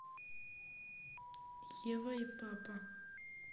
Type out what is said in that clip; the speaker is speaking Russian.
ева и папа